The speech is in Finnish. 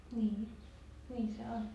niin niin se on